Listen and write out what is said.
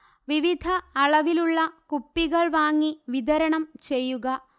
വിവിധ അളവിലുള്ള കുപ്പികൾ വാങ്ങി വിതരണം ചെയ്യുക